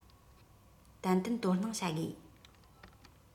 ཏན ཏན དོ སྣང བྱ དགོས